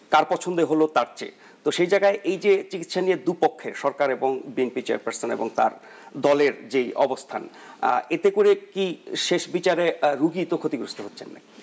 কার পছন্দ হলো তার চেয়ে সে জায়গায় এই যে চিকিৎসা নিয়ে দু'পক্ষের সরকার এবং বিএনপি চেয়ারপারসন এবং তার দলের যে অবস্থান এতে করে কি শেষ বিচারে রোগী তো ক্ষতিগ্রস্ত হচ্ছেন